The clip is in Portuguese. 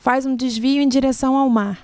faz um desvio em direção ao mar